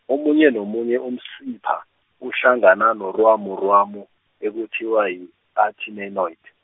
omunye nomunye umsipha, uhlangana norwamurwamu, ekuthiwa yi artytenoid.